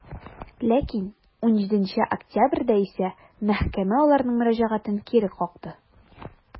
Ләкин 17 октябрьдә исә мәхкәмә аларның мөрәҗәгатен кире какты.